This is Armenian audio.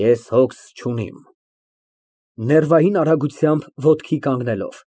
Ես հոգս չունեմ։ (Ներվային արագությամբ ոտքի կանգնելով)։